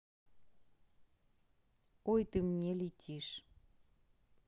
ой ты мне летишь